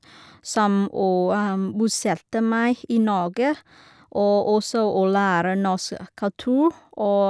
Som å bosette meg i Norge, og også å lære norsk kultur og vane og tradisjon.